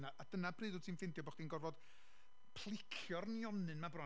a a, dyna pryd wyt ti'n ffeindio bod chi'n gorfod plicio'r nionyn 'ma bron.